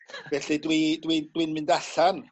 Felly dwi dwi dwi'n mynd allan